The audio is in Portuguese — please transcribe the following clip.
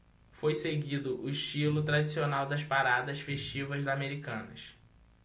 foi seguido o estilo tradicional das paradas festivas americanas